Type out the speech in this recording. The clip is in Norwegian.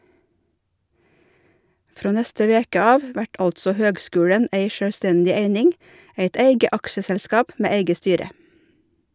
Frå neste veke av vert altså høgskulen ei sjølvstendig eining, eit eige aksjeselskap med eige styre.